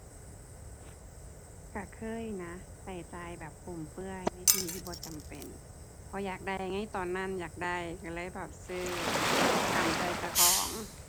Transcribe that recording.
ก็เคยนะก็จ่ายแบบฟุ่มเฟือยในสิ่งที่บ่จำเป็น เพราะอยากได้ไงตอนนั้นอยากได้ ก็เลยแบบซื้อตามใจเจ้าของ